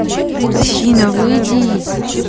афина выйди из